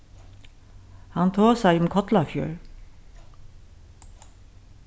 hann tosaði um kollafjørð